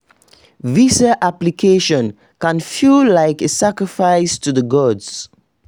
Visa applications can feel like a sacrifice to the gods